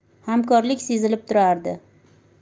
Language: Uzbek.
hamkorlik sezilib turardi